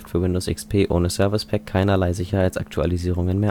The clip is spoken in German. Windows XP ohne Service Pack keinerlei Sicherheitsaktualisierungen